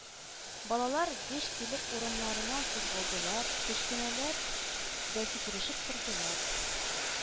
Балалар гөж килеп урыннарыннан кузгалдылар, кечкенәләр дә сикерешеп тордылар